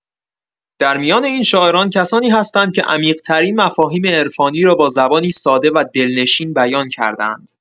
در میان این شاعران، کسانی هستند که عمیق‌ترین مفاهیم عرفانی را با زبانی ساده و دلنشین بیان کرده‌اند.